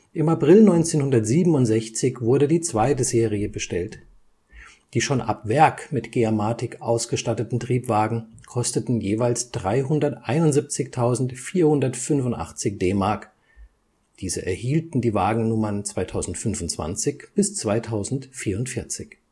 Im April 1967 wurde die zweite Serie bestellt. Die schon ab Werk mit Geamatic ausgestatteten Triebwagen kosteten jeweils 371.485 D-Mark, diese erhielten die Wagennummern 2025 bis 2044